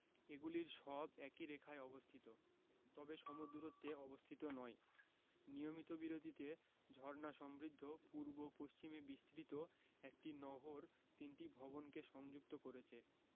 এগুলির সব একই রেখায় অবস্থিত তবে সম দূরত্বে অবস্থিত নয় নিয়মিত বিরতিতে ঝর্ণা সমৃদ্ধ পূর্ব পশ্চিমে বিস্তৃত একটি নহর তিনটি ভবনকে সংযুক্ত করেছে